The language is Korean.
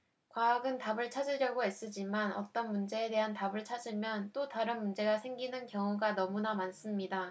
과학은 답을 찾으려고 애쓰지만 어떤 문제에 대한 답을 찾으면 또 다른 문제가 생기는 경우가 너무나 많습니다